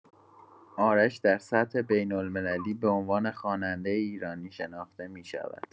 آرش در سطح بین‌المللی به عنوان خواننده ایرانی شناخته می‌شود.